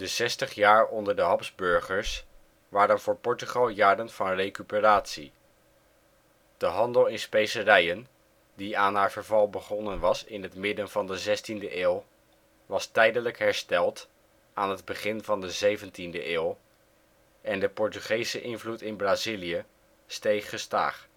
zestig jaar onder de Habsburgers waren voor Portugal jaren van recuperatie. De handel in specerijen die aan haar verval begonnen was in het midden van de zestiende eeuw was tijdelijk hersteld aan het begin van de zeventiende eeuw en de Portugese invloed in Brazilië steeg gestaag